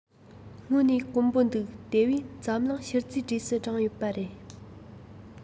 དངོས གནས དཀོན པོ འདུག དེ བས འཛམ གླིང ཤུལ རྫས གྲས སུ བསྒྲེངས ཡོད པ རེད